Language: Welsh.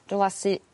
rwla sy